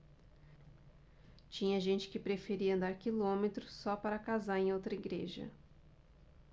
tinha gente que preferia andar quilômetros só para casar em outra igreja